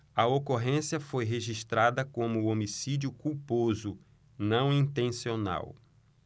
a ocorrência foi registrada como homicídio culposo não intencional